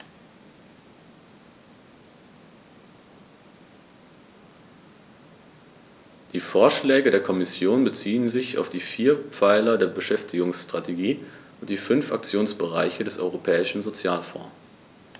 Die Vorschläge der Kommission beziehen sich auf die vier Pfeiler der Beschäftigungsstrategie und die fünf Aktionsbereiche des Europäischen Sozialfonds.